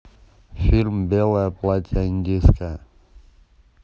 фильм белое платье индийское